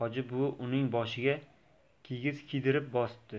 hoji buvi uning boshiga kigiz kuydirib bosibdi